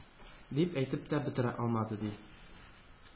Дип әйтеп тә бетерә алмады, ди,